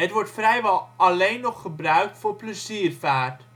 wordt vrijwel alleen nog gebruikt voor pleziervaart